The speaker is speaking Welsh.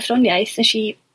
Athroniaeth 'nes i